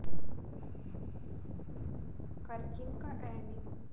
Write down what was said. картинка эми